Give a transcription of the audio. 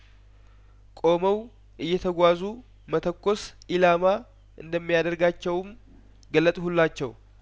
ቆመው እየተጓዙ መተኮስ ኢላማ እንደሚያደርጋቸውም ገለጥሁላቸው